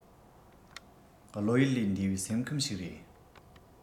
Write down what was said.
བློ ཡུལ ལས འདས པའི སེམས ཁམས ཞིག རེད